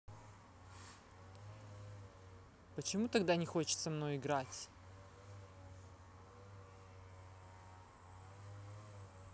почему тогда не хочеться мной играть